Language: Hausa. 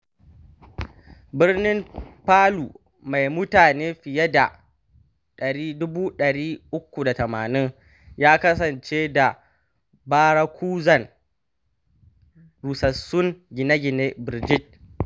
Birnin Palu, mai mutane fiye da 380,000, ya kasance da ɓaraƙuzan rusassun gine-gine birjit.